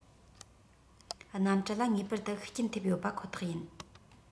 གནམ གྲུ ལ ངེས པར དུ ཤུགས རྐྱེན ཐེབས ཡོད པ ཁོ ཐག ཡིན